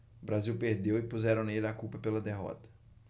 o brasil perdeu e puseram nele a culpa pela derrota